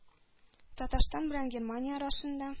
Татарстан белән Германия арасында